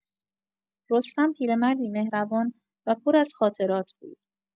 رستم پیرمردی مهربان و پر از خاطرات بود.